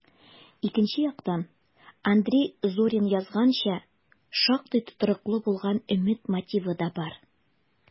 Икенче яктан, Андрей Зорин язганча, шактый тотрыклы булган өмет мотивы да бар: